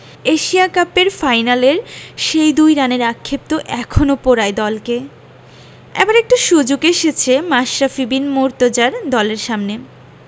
Asia কাপের ফাইনালের সেই ২ রানের আক্ষেপ তো এখনো পোড়ায় দলকে এবার একটা সুযোগ এসেছে মাশরাফি বিন মুর্তজার দলের সামনে